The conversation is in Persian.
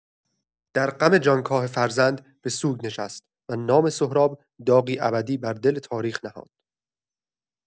در غم جانکاه فرزند، به سوگ نشست، و نام سهراب، داغی ابدی بر دل تاریخ نهاد.